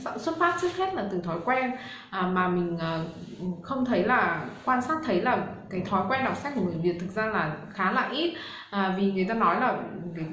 xuất phát trước hết là từ thói quen mà mình không thấy là quan sát thấy là cái thói quen đọc sách của người việt thực ra là khá ít vì người ta nói là